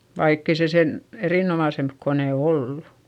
vaikka ei se sen erinomaisempi kone ollut